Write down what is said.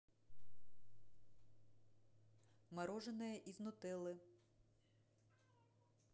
мороженое из нутеллы